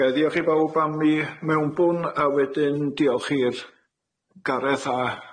Ga'i ddiolch i bawb am 'i mewnbwn a wedyn diolch i'r Gareth a